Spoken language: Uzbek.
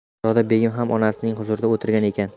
xonzoda begim ham onasining huzurida o'tirgan ekan